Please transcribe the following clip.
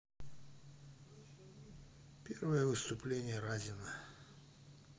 первое выступление разина